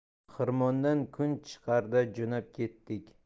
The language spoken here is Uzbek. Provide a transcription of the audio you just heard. xirmondan kun chiqarda jo'nab ketdik